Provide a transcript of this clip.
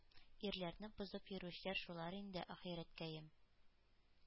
Ирләрне бозып йөрүчеләр шулар инде, ахирәткәем.